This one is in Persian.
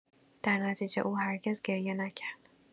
درنتیجه او هرگز گریه نکرد.